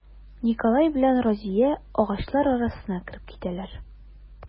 Николай белән Разия агачлар арасына кереп китәләр.